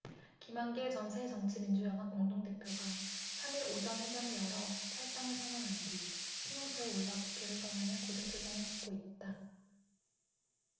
김한길 전 새정치민주연합 공동대표가 삼 일 오전 회견을 열어 탈당을 선언한 뒤 승용차에 올라 국회를 떠나며 굳은 표정을 짓고 있다